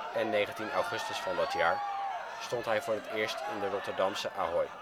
en 19 augustus van dat jaar stond hij voor het eerst in de Rotterdamse Ahoy